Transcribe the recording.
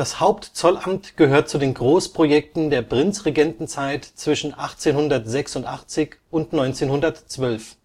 Hauptzollamt gehört zu den Großprojekten der Prinzregentenzeit zwischen 1886 und 1912. Die